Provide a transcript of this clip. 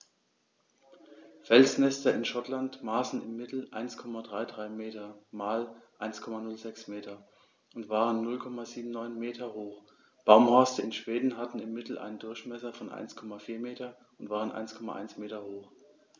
Felsnester in Schottland maßen im Mittel 1,33 m x 1,06 m und waren 0,79 m hoch, Baumhorste in Schweden hatten im Mittel einen Durchmesser von 1,4 m und waren 1,1 m hoch.